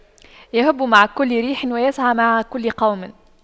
يَهُبُّ مع كل ريح ويسعى مع كل قوم